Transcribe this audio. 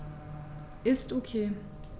Ist OK.